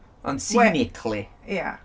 Ond... We-... scenically... Ie.